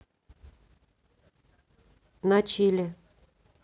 на чиле